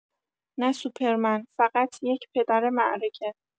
نه سوپرمن، فقط یک پدر معرکه.